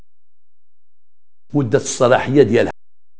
مده الصلاحيه